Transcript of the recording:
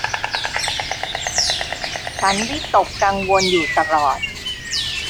ฉันวิตกกังวลอยู่ตลอด